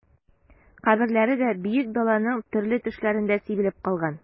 Каберләре дә Бөек Даланың төрле төшләрендә сибелеп калган...